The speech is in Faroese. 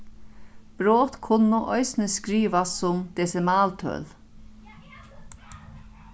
brot kunnu eisini skrivast sum desimaltøl